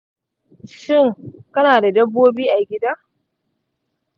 shin kana da dabbobi a gida?